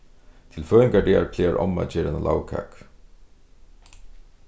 til føðingardagar plagar omma at gera eina lagkøku